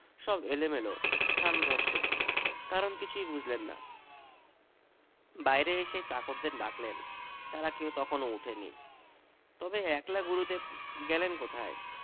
সব এলোমেলো স্থানভ্রষ্ট কারণ কিছুই বুঝলেন না বাইরে এসে চাকরদের ডাকলেন তারা কেউ তখনও ওঠেনি তবে একলা গুরুদেব গেলেন কোথায়